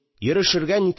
Йөрешергә